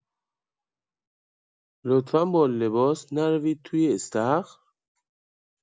لطفا با لباس نروید توی استخر!